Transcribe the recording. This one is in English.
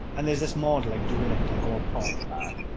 And there's this model like, doing it like, all proper.